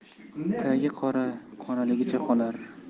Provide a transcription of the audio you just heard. tagi qora qoraligicha qolar